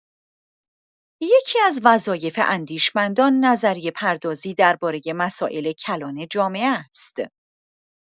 یکی‌از وظایف اندیشمندان، نظریه‌پردازی درباره مسائل کلان جامعه است.